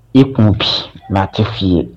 E kun bi na a tɛ f' ii ye